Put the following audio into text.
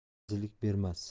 rozilik bermas